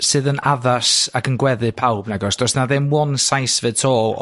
sydd yn addas ac yn gweddu pawb nag oes, does 'na ddim one size fits all